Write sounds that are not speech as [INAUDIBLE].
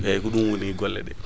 eyyi ko ɗum [INHALES] woni golle ɗe